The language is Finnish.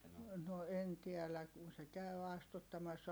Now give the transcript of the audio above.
no en tiedä kun se käy astuttamassa